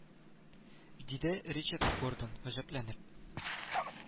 Диде ричард гордон, гаҗәпләнеп